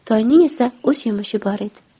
toyning esa o'z yumushi bor edi